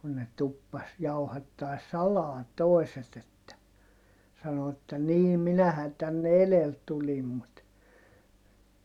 kun ne tuppasi jauhattamaan salaa toiset että sanoi että niin minähän tänne edellä tulin mutta